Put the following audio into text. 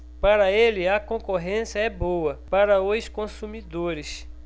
para ele a concorrência é boa para os consumidores